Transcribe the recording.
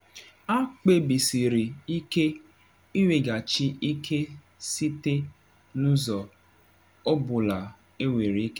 “Ha kpebisiri ike iweghachi ike site n’ụzọ ọ bụla enwere ike.